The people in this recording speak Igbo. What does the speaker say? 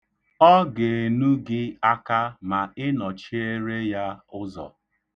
Ọ ga-enu gị aka ma ị nochiere ya ụzọ.